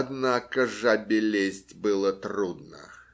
Однако жабе лезть было трудно